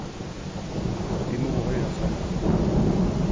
vit mugu hoyrast seinni